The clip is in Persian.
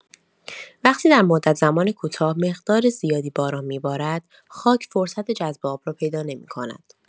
وقتی در مدت‌زمان کوتاه، مقدار زیادی باران می‌بارد، خاک فرصت جذب آب را پیدا نمی‌کند.